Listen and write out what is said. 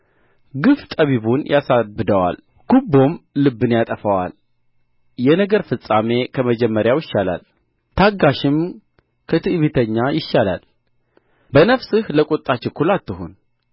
ግፍ ጠቢቡን ያሳብደዋል ጉቦም ልቡን ያጠፋዋል የነገር ፍጻሜ ከመጀመሪያው ይሻላል ታጋሽም ከትዕቢተኛ ይሻላል በነፍስህ ለቍጣ ችኩል አትሁን